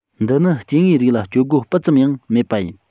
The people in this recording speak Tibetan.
འདི ནི སྐྱེ དངོས རིགས ལ སྤྱོད སྒོ སྤུ ཙམ ཡང མེད པ ཡིན